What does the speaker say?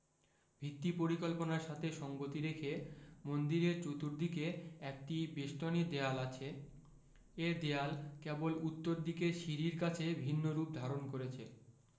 ভিত্তি পরিকল্পনার সাথে সঙ্গতি রেখে মন্দিরের চতুর্দিকে একটি বেষ্টনী দেয়াল আছে এ দেয়াল কেবল উত্তর দিকের সিঁড়ির কাছে ভিন্নরূপ ধারণ করেছে